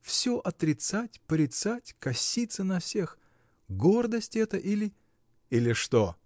— Всё отрицать, порицать, коситься на всех. Гордость это или. — Или что?